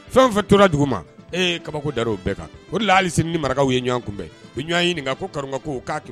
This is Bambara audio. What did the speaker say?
Fɛn fɛ tora dugu ma ee kabako da bɛɛ kan o de halise ni marakaw ye ɲɔgɔn kunbɛn ɲɔgɔn ɲini ka ko ka ko k'a